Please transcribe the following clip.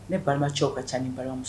Ne balimama cɛww ka ca ni balimamuso